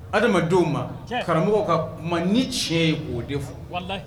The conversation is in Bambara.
Adamadenw ma karamɔgɔ ka kuma ni tiɲɛ ye o de fo